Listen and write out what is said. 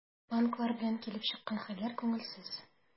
Банклар белән килеп чыккан хәлләр күңелсез.